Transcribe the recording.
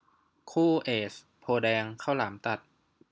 คู่เอซโพธิ์แดงข้าวหลามตัด